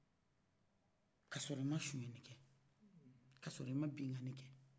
ka sɔrɔ i ma suɲɛli kɛ i ma bigani kɛ